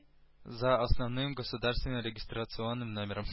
За основным государственным регистрационным номером